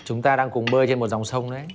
chúng ta đang cùng bơi trên một dòng sông đấy